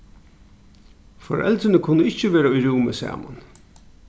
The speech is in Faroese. foreldrini kunnu ikki vera í rúmi saman